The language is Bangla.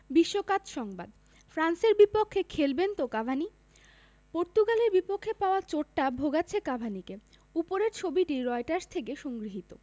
বিশ্বকাত সংবাদ ফ্রান্সের বিপক্ষে খেলবেন তো কাভানি পর্তুগালের বিপক্ষে পাওয়া চোটটা ভোগাচ্ছে কাভানিকে ওপরের ছবিটি রয়টার্স থেকে সংগৃহীত